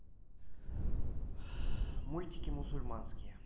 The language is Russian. мультики мусульманские